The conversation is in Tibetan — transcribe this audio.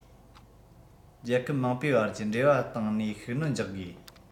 རྒྱལ ཁབ མང པོའི བར གྱི འབྲེལ བ སྟེང ནས ཤུགས སྣོན རྒྱག དགོས